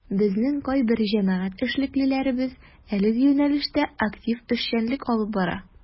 Безнең кайбер җәмәгать эшлеклеләребез әлеге юнәлештә актив эшчәнлек алып бара.